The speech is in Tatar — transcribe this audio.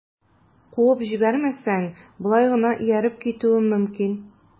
Куып җибәрмәсәң, болай гына ияреп китүем мөмкин...